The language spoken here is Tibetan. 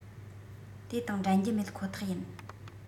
དེ དང འགྲན རྒྱུ མེད ཁོ ཐག ཡིན